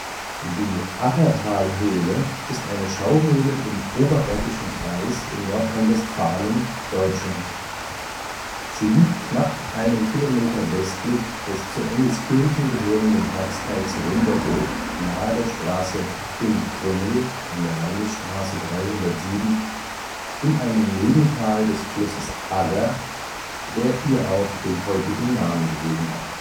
Die Aggertalhöhle ist eine Schauhöhle im Oberbergischen Kreis in Nordrhein-Westfalen, Deutschland. Sie liegt knapp einen Kilometer westlich des zu Engelskirchen gehörenden Ortsteils Ründeroth nahe der Straße Im Krümmel (Landesstraße 307), in einem Nebental des Flusses Agger, der ihr auch den heutigen Namen gegeben hat